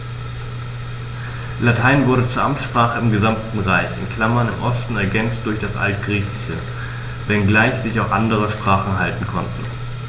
Latein wurde zur Amtssprache im gesamten Reich (im Osten ergänzt durch das Altgriechische), wenngleich sich auch andere Sprachen halten konnten.